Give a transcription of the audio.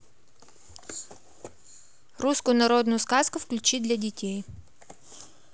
русскую народную сказку включи для детей